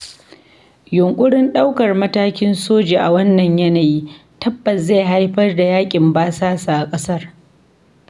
Yunƙurin ɗaukar matakin soji a wannan yanayi tabbas zai haifar da yaƙin basasa a ƙasar.